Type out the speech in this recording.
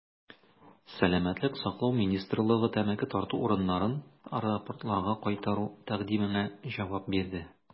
Сәламәтлек саклау министрлыгы тәмәке тарту урыннарын аэропортларга кайтару тәкъдименә җавап бирде.